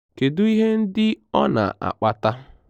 Kedu ihe ndị ọ na-akpata?